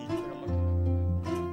Sangɛnin yo